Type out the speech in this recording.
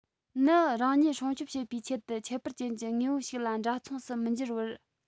ནི རང ཉིད སྲུང སྐྱོབ བྱེད པའི ཆེད དུ ཁྱད པར ཅན གྱི དངོས པོ ཞིག ལ འདྲ མཚུངས སུ མི འགྱུར བར